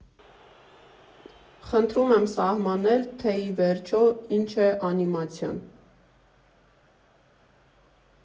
Խնդրում եմ սահմանել, թե ի վերջո ի՞նչ է անիմացիան։